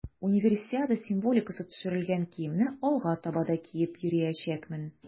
Универсиада символикасы төшерелгән киемне алга таба да киеп йөриячәкмен.